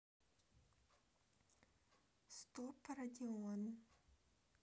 стоп родион